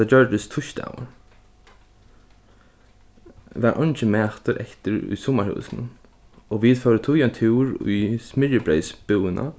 tá tað gjørdist týsdagur var eingin matur eftir í summarhúsinum og vit fóru tí ein túr í smyrjibreyðsbúðina